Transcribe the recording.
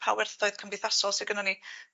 pa werthoedd cymdeithasol sy gynnon ni.